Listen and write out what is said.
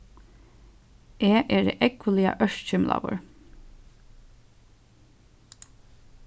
eg eri ógvuliga ørkymlaður